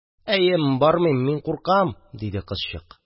– әем, бармыйм, мин куркам, – диде кызчык